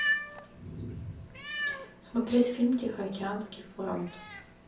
смотреть фильм тихоокеанский фронт